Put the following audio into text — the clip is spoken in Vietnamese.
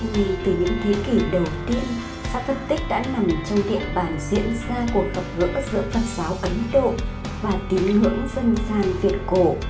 ngay từ những thế kỷ đầu tiên xã phật tích đã nằm trong địa bàn diễn ra cuộc gặp gỡ giữa phật giáo ấn độ và tín ngưỡng dân gian việt cổ